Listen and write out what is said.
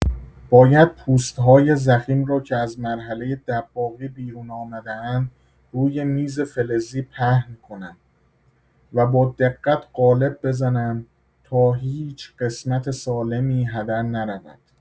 باید پوست‌های ضخیم را که از مرحله دباغی بیرون آمده‌اند روی میز فلزی پهن کنم و با دقت قالب بزنم تا هیچ قسمت سالمی هدر نرود.